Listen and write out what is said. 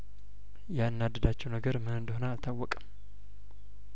ያናደዳቸው ነገርምን እንደሆን አልታወቀም